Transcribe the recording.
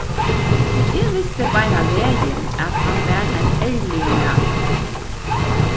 eg visti beinanvegin at hann var ein ærligur maður